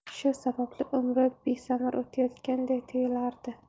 shu sababli umri besamar o'tayotganady tuyulardi